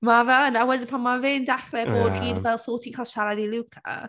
Mae fe yn a wedyn pan mae fe’n dechrau bod gyd fel "So ti’n cael siarad i Luca".